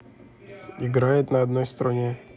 играет на одной струне